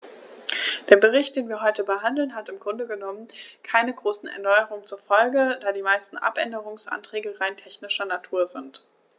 Der Bericht, den wir heute behandeln, hat im Grunde genommen keine großen Erneuerungen zur Folge, da die meisten Abänderungsanträge rein technischer Natur sind.